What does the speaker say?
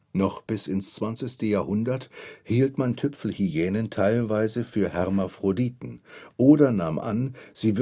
Noch bis ins 20. Jahrhundert hielt man Tüpfelhyänen teilweise für Hermaphroditen oder nahm an, sie